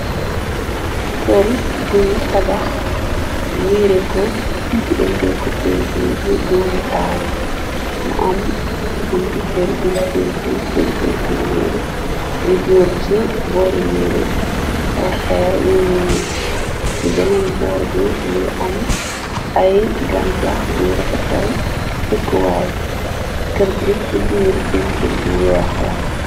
kër guñ tabax miire ko pentur ko pintur bi doomu taal mu am buntu kër guñ pentur bi muuli yi juur ci boori niire bi ay xeer yu muul ci beneen boor bi mungi am ay gañjax guñ refe tar tekkuwaay kër gis ci biir pintir bu weex la